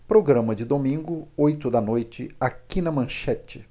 programa de domingo oito da noite aqui na manchete